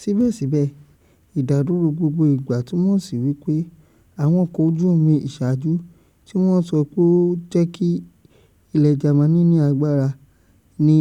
Síbẹ̀síbẹ̀, ìdádúró gbogbo ìgbà túmọ̀ sí wípé àwọn ọkọ̀ ojú omi ìṣaajú - tí wọn sọ pé ó jẹ́ kí ilẹ̀ jámánì ní agbara ní